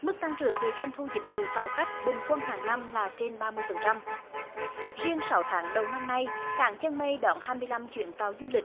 mức tăng trưởng về doanh thu dịch vụ tàu khách bình quân hàng năm là trên ba mươi phần trăm riêng sáu tháng đầu năm nay cảng chân mây đón hai mươi lăm chuyến tàu du lịch